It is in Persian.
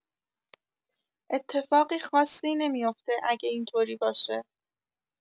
اتفاقی خاصی نمیوفته اگه این‌طوری باشه